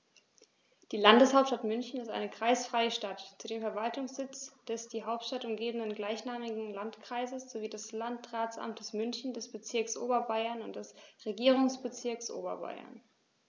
Die Landeshauptstadt München ist eine kreisfreie Stadt, zudem Verwaltungssitz des die Stadt umgebenden gleichnamigen Landkreises sowie des Landratsamtes München, des Bezirks Oberbayern und des Regierungsbezirks Oberbayern.